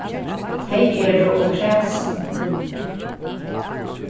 tey eru ov kræsin